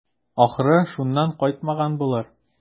Ахры, шуннан кайтмаган булыр.